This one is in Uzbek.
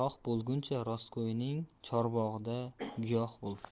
rostgo'yning chorbog'ida giyoh bo'l